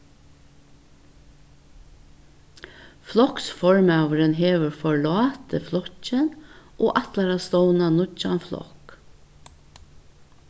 floksformaðurin hevur forlátið flokkin og ætlar at stovna nýggjan flokk